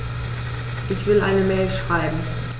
Ich will eine Mail schreiben.